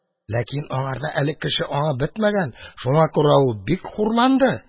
Ләкин аңарда әле кеше аңы бетмәгән, шуңа күрә ул бик хурланды.